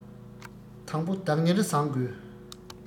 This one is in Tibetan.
དང བོ བདག གཉེར བཟང དགོས